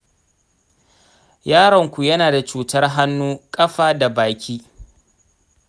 yaronku yana da cutar hannu, ƙafa, da baki.